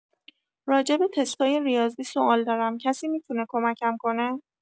راجب تستای ریاضی سوال دارم کسی می‌تونه کمکم کنه؟